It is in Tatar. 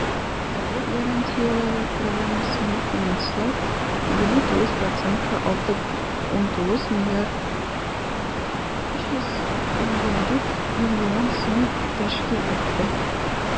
Дәүләт гарантияләре программасын финанслау 29 процентка артып, 19 млрд 354 млн сум тәшкил итте.